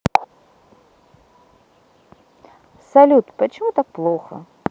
салют почему так плохо